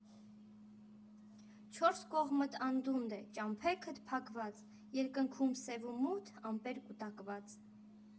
«Չորս կողմդ անդունդ է, ճամփեքդ՝ փակված, երկնքում սև ու մութ ամպեր կուտակված»։